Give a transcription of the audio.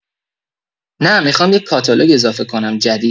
نه میخوام یه کاتالوگ اضافه کنم جدید